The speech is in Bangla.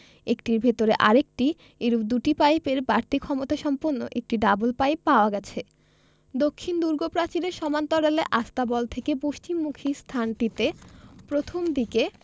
একটির ভেতরে আরেকটি এরূপ দুটি পাইপের বাড়তি ক্ষমতা সম্পন্ন একটি ডাবল পাইপ পাওয়া গেছে দক্ষিণ দুর্গপ্রাচীরের সমান্তরালে আস্তাবল থেকে পশ্চিমমুখি স্থানটিতে প্রথম দিকে